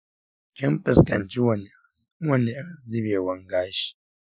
kin fuskanci wani irin zubewan gashi?